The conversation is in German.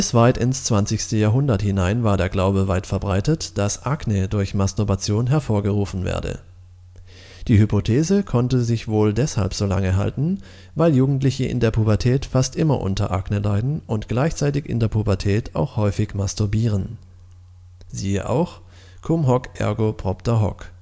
weit ins 20. Jahrhundert hinein war der Glaube weit verbreitet, dass Akne durch Masturbation hervorgerufen werde. Die Hypothese konnte sich wohl deshalb so lange halten, weil Jugendliche in der Pubertät fast immer unter Akne leiden und gleichzeitig in der Pubertät auch häufig masturbieren (siehe auch Cum hoc ergo propter hoc